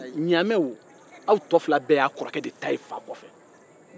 ɲaamɛ ni aw tɔ fila bɛɛ de y'a ta ye fa kɔfɛ